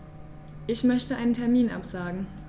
Ich möchte einen Termin absagen.